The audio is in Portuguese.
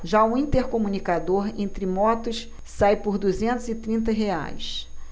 já o intercomunicador entre motos sai por duzentos e trinta reais